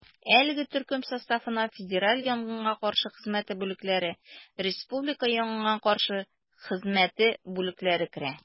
Әлеге төркем составына федераль янгынга каршы хезмәте бүлекләре, республика янгынга каршы хезмәте бүлекләре керә.